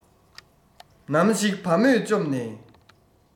ནམ ཞིག བ མོས བཅོམ ནས